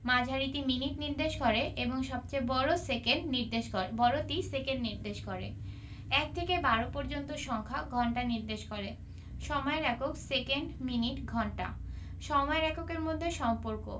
মাঝারিটি মিনিট নির্দেশ করে এবং সবচেয়ে বড় সেকেন্ড নির্দেশ করে বড়টি সেকেন্ড নির্দেশ করে ১ থেকে ১২ পর্যন্ত সংখ্যা ঘন্টা নির্দেশ করে সময়ের এককঃ সেকেন্ড মিনিট ঘন্টা সময়ের এককের মধ্যে সম্পর্কঃ